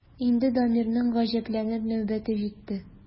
Инде Дамирның гаҗәпләнер нәүбәте җитте.